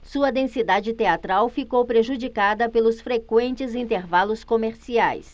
sua densidade teatral ficou prejudicada pelos frequentes intervalos comerciais